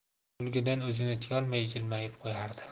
kulgidan o'zini tiyolmay jilmayib qo'yardi